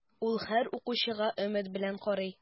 Ул һәр укучыга өмет белән карый.